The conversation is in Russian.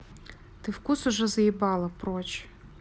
ты вкус уже заебала напрочь